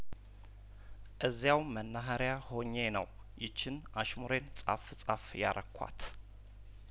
እዚያው መናሀሪያ ሆኜ ነው ይችን አሽሙሬን ጻፍ ጻፍ ያረኳት